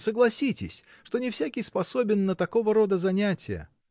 но согласитесь, что не всякий способен на такого рода занятия.